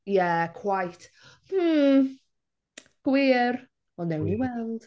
Yeah, quite. Hmm gwir ond wnawn ni weld.